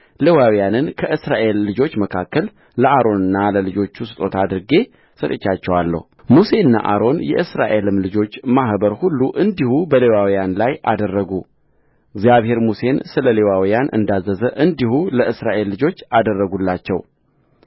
ሌዋውያንን ከእስራኤል ልጆች መካከል ለአሮንና ለልጆቹ ስጦታ አድርጌ ሰጥቼአቸዋለሁሙሴና አሮን የእስራኤልም ልጆች ማኅበር ሁሉ እንዲሁ በሌዋውያን ላይ አደረጉ እግዚአብሔር ሙሴን ስለ ሌዋውያን እንዳዘዘው እንዲሁ የእስራኤል ልጆች አደረጉላቸው